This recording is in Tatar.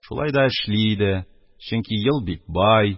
Шулай да эшли иде, чөнки ел бик бай,